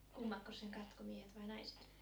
kummatkos sen katkoi miehet vai naiset